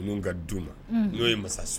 Minnu ka d u ma n'o ye mansa